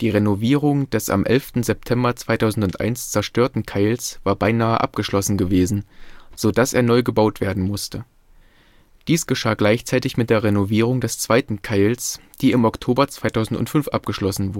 Renovierung des am 11. September 2001 zerstörten Keils war beinahe abgeschlossen gewesen, so dass er neu gebaut werden musste. Dies geschah gleichzeitig mit der Renovierung des zweiten Keils, die im Oktober 2005 abgeschlossen